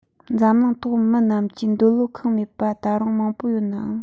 འཛམ གླིང ཐོག མི རྣམས ཀྱི འདོད བློ ཁེངས མེད པ ད རུང མང པོ ཡོད ནའང